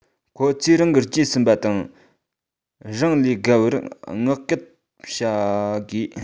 ཁོ ཚོ རང གི རྗེས ཟིན པ དང རང ལས བརྒལ བར བསྔགས སྐུལ བྱ དགོས